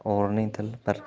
g'ar o'g'rining till bir